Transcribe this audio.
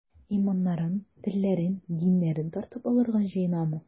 Иманнарын, телләрен, диннәрен тартып алырга җыенамы?